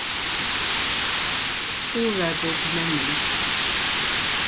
burðardygg menning